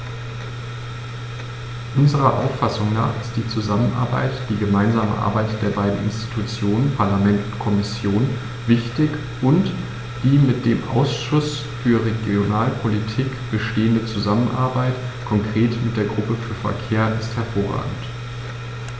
Unserer Auffassung nach ist die Zusammenarbeit, die gemeinsame Arbeit der beiden Institutionen - Parlament und Kommission - wichtig, und die mit dem Ausschuss für Regionalpolitik bestehende Zusammenarbeit, konkret mit der Gruppe für Verkehr, ist hervorragend.